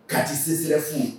Kati CESREF